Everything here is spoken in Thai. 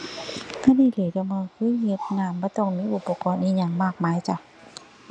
ก็นี่แหละ ก็มักคือเฮ็ดน้ำ บ่ต้องมีอุปกรณ์อิหยังมากมายจ้ะ